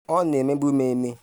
Ọ na-emebu eme.